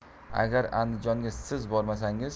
agar andijonga siz bormasangiz